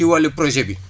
ci wàllu projet bi